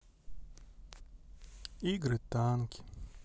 игры танки